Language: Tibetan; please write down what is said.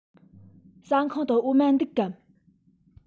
ཟ ཁང དུ འོ མ འདུག གམ